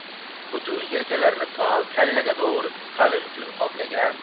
butun yelkalarini to kallaga dovur qalin jun qoplagan